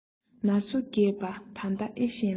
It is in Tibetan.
ན སོ རྒས པ ད ལྟ ཨེ ཤེས ལ